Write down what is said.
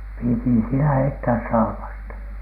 piti siinä heittää saapasta